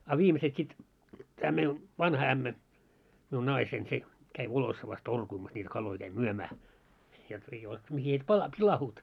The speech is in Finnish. a viimeiset sitten tämä meidän vanha ämmä minun naiseni se kävi Volossavassa torkumassa niitä kaloja kävi myymään jotta ei ole mihin että - pilaantuivat